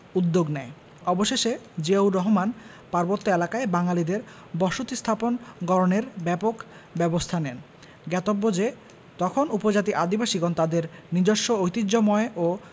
উদ্যোগ নেয় অবশেষে জিয়াউর রহমান পার্বত্য এলাকায় বাঙালিদের বসতী স্থাপন গড়নের ব্যাপক ব্যবস্তা নেন জ্ঞাতব্য যে তখন উপজাতি আদিবাসীগণ তাদের নিজস্ব ঐতিহ্যময় ও